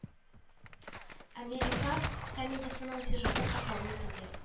«американ» комедиясенең сюжеты катлаулы түгел.